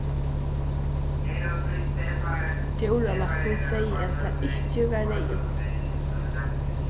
djóralæknin segði at tað ikki var neyðugt